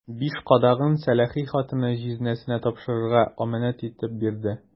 Биш кадагын сәләхи хатыны җизнәсенә тапшырырга әманәт итеп бирде.